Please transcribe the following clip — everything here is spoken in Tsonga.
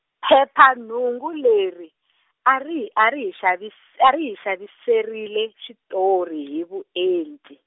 Phephahungu leri , a ri, a ri hi xavis-, a ri hi xaviserile xitori hi vuenti.